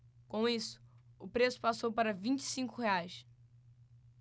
com isso o preço passou para vinte e cinco reais